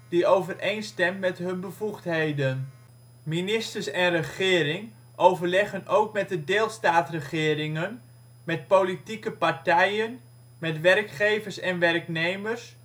die overeenstemt met hun bevoegdheden. Ministers en regering overleggen ook met de deelstaatregeringen, met politieke partijen, met werkgevers en werknemers